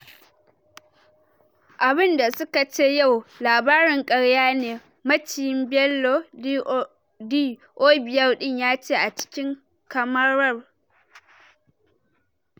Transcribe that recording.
abun da suka ce yau, labarin karya ne,” maciyin Ballon d’Or biyar din yace a cikin kamarar.